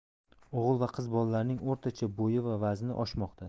o'g'il va qiz bolalarning o'rtacha bo'yi va vazni oshmoqda